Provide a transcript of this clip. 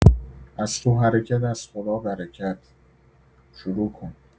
از تو حرکت از خدا برکت، شروع کن.